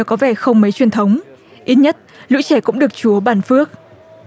có vẻ không mấy truyền thống ít nhất lũ trẻ cũng được chúa ban phước